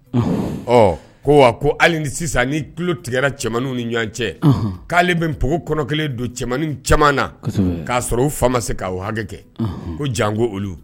Ko wa ko hali sisan ni tulo tigɛ cɛmanw ni ɲɔgɔn cɛ k'ale bɛ npogo kɔnɔ kelen don cɛman caman na k'a sɔrɔ u fa ma se k' hakɛ kɛ ko jan ko olu